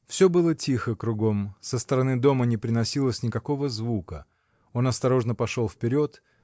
Все было тихо кругом; со стороны дома не приносилось никакого звука. Он осторожно пошел вперед.